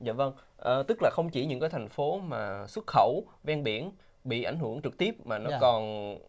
dạ vâng ở tức là không chỉ những thành phố mà xuất khẩu ven biển bị ảnh hưởng trực tiếp mà nó còn